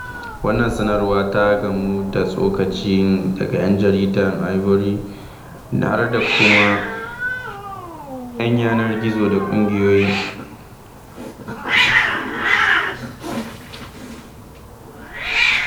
Wannan sanarwar ta gamu da tsokaci daga ƴan jaridar Ivory har da kuma yanar gizo da ƙungiyoyi.